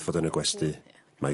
...fod yn y gwesty mae...